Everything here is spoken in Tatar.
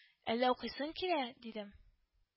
— әллә укыйсың килә? — дидем